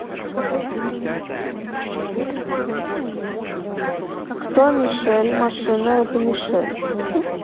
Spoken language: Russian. кто michael машина это michael